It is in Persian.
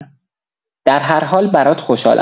در هر حال برات خوشحالم.